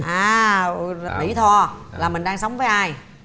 à mỹ tho là mình đang sống với ai